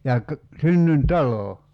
ja - synnyintalo